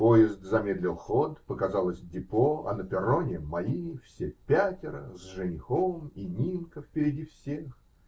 Поезд замедлил ход, показалось депо, а на перроне мои, все пятеро (с женихом) и Нинка впереди всех.